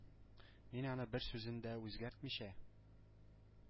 Мин аны бер сүзен дә үзгәртмичә